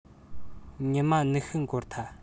ཉི མ ཉི ཤུ འགོར ཐལ